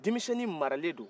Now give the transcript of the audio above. denmisɛnnin maralen do